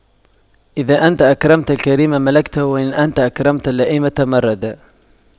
إذا أنت أكرمت الكريم ملكته وإن أنت أكرمت اللئيم تمردا